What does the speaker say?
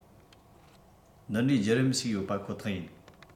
འདི འདྲའི བརྒྱུད རིམ ཞིག ཡོད པ ཁོ ཐག ཡིན